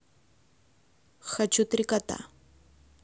хочу три кота